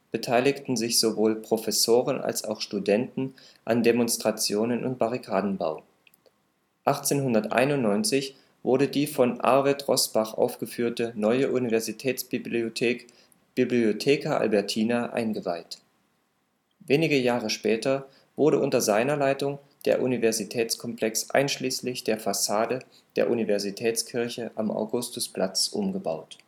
beteiligten sich sowohl Professoren als auch Studenten an Demonstrationen und Barrikadenbau. 1891 wurde die von Arwed Roßbach aufgeführte neue Universitätsbibliothek Bibliotheca Albertina eingeweiht. Wenige Jahre später wurde unter seiner Leitung der Universitätskomplex einschließlich der Fassade der Universitätskirche am Augustusplatz umgebaut